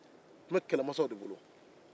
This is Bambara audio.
o tun bɛ kɛlɛmasaw de bolo